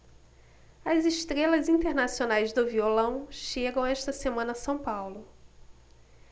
as estrelas internacionais do violão chegam esta semana a são paulo